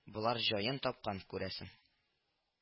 Болар җаен тапкан, күрәсең